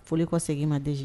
Foli ko segin ma dɛsɛ